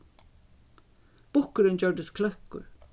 bukkurin gjørdist kløkkur